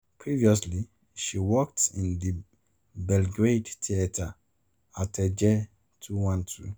Previously, she worked in the Belgrade theater Atelje 212.